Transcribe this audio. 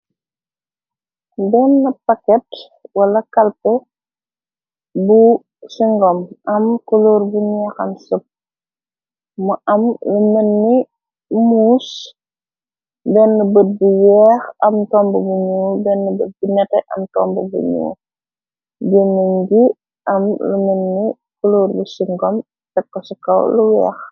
denn paket wala kalpe bu singom am kuloor bu nexam seb mu am rumenni mous denn bët bi yeex am tomb buñu denn bët bi nete am tomb buñu geneñ gi am rumenni coloor bi shingom te ko ci kaw lu weex